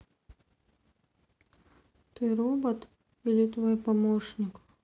ты робот или твой помощник